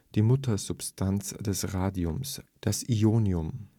die Muttersubstanz des Radiums, das Ionium